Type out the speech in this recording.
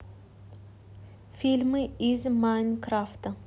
фильмы из майнкрафта